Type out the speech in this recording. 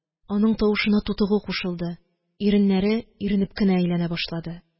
Аның тавышына тутыгу кушылды, иреннәре иренеп кенә әйләнә башлады